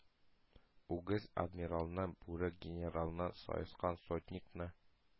Үгез адмиралны, бүре генералны, саескан сотникны,